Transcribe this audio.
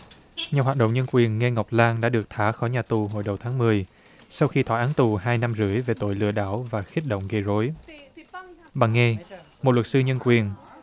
nhà hoạt động nhân quyền nghe ngọc lan đã được thả khỏi nhà tù hồi đầu tháng mười sau khi thọ án tù hai năm rưỡi về tội lừa đảo và khích động gây rối bà nghe một luật sư nhân quyền